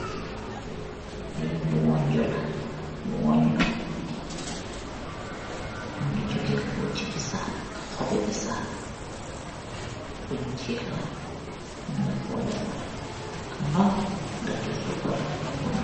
wonjo puur nannn .